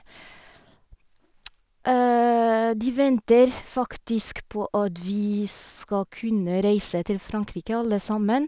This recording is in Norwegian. De venter faktisk på at vi skal kunne reise til Frankrike alle sammen.